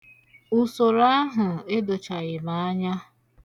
Usoro ahụ edochaghị m anya.